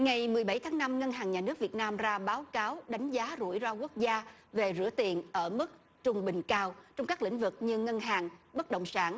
ngày mười bảy tháng năm ngân hàng nhà nước việt nam ra báo cáo đánh giá rủi ro quốc gia về rửa tiền ở mức trung bình cao trong các lĩnh vực như ngân hàng bất động sản